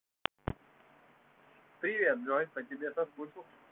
привет джой по тебе соскучился